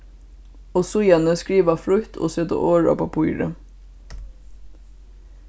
og síðani skriva frítt og seta orð á pappírið